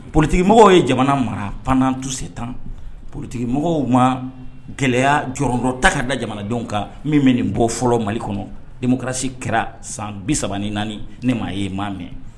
Politigimɔgɔw ye jamana mara pannan tuse tan politigi mɔgɔw ma gɛlɛyaya dɔrɔn dɔrɔn ta ka da jamanadenw kan min bɛ nin bɔ fɔlɔ mali kɔnɔmusi kɛra san bi saba ni naani ne maa ye maa mɛn